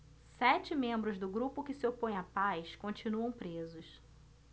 sete membros do grupo que se opõe à paz continuam presos